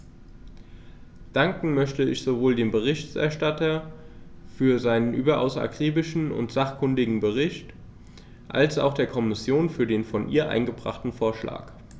Danken möchte ich sowohl dem Berichterstatter für seinen überaus akribischen und sachkundigen Bericht als auch der Kommission für den von ihr eingebrachten Vorschlag.